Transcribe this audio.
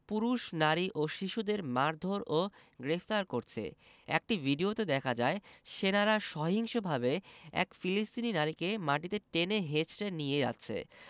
পুরুষ নারী ও শিশুদের মারধোর ও গ্রেফতার করছে একটি ভিডিওতে দেখা যায় সেনারা সহিংসভাবে এক ফিলিস্তিনি নারীকে মাটিতে টেনে হেঁচড়ে নিয়ে যাচ্ছে